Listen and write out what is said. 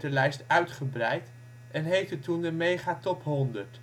de lijst uitgebreid en heette toen de Mega Top 100.